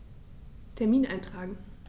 Termin eintragen